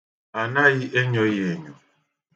A naghị enyo ya enyo.